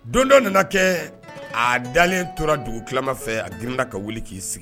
Don dɔ nana kɛ a dalen tora dugukima fɛ a dirin ka wuli k'i sigi